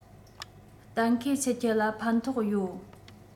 གཏན འཁེལ ཆུ རྐྱལ ལ ཕན ཐོགས ཡོད